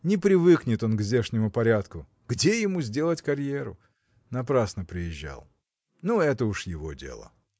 не привыкнет он к здешнему порядку: где ему сделать карьеру! напрасно приезжал. ну, это уж его дело.